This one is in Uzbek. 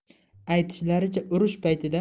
aytishlaricha urush paytida